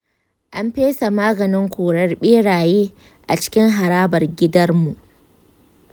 an fesa maganin korar beraye a cikin harabar gidarmu.